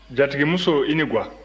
jatigimuso i ni ga